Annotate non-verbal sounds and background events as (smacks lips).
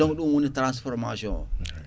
donc ɗum woni transformation o (smacks lips)